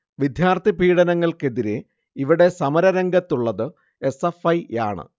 വിദ്യാർത്ഥി പീഡനങ്ങൾക്കെതിരെ ഇവിടെ സമരരംഗത്തുള്ളത് എസ്. എഫ്. ഐ യാണ്